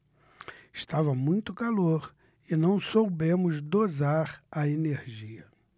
estava muito calor e não soubemos dosar a energia